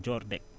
joor deg